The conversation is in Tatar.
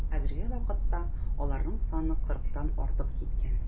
Хәзерге вакытта аларның саны кырыктан артып киткән.